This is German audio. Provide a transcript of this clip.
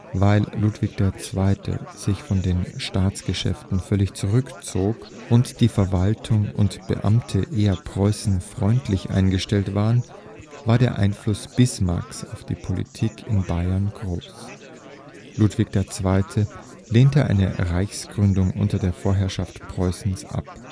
Weil Ludwig II. sich von den Staatsgeschäften völlig zurückzog und die Verwaltung und Beamte eher preußenfreundlich eingestellt waren, war der Einfluss Bismarcks auf die Politik in Bayern groß. Ludwig II. lehnte eine Reichsgründung unter der Vorherrschaft Preußens ab